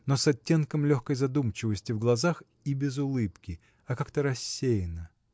но с оттенком легкой задумчивости в глазах и без улыбки а как-то рассеянно.